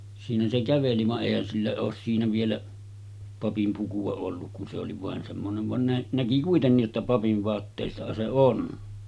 siinä se käveli vaan eihän sillä ole siinä vielä papin pukua ollut kun se oli vain semmoinen vaan - näki kuitenkin jotta papin vaatteissahan se on